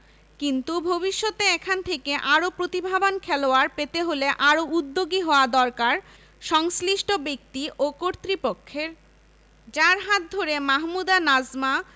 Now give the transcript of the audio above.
কিন্তু ভবিষ্যতে এখান থেকে আরও প্রতিভাবান খেলোয়াড় পেতে হলে আরও উদ্যোগী হওয়া দরকার সংশ্লিষ্ট ব্যক্তি বা কর্তৃপক্ষের যাঁর হাত ধরে মাহমুদা নাজমা